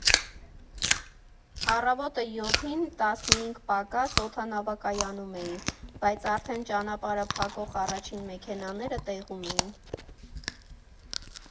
Առավոտը յոթին տասնհինգ պակաս օդանավակայանում էի, բայց արդեն ճանապարհը փակող առաջին մեքենաները տեղում էին։